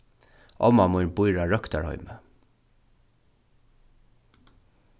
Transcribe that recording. omma mín býr á røktarheimi